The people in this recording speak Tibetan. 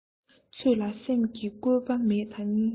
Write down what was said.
ཚོད ལ སེམས ཀྱི བཀོད པ མེད དང གཉིས